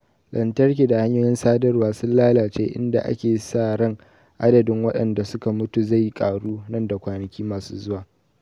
Lantarki da hanyoyin sadarwa sun lalace inda ake sa ran adadin waɗanda suka mutu zai karu nan da kwanaki masu zuwa.